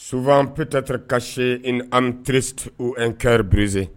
Suban p peptetere ka se ni an teririsi o n kɛ biererize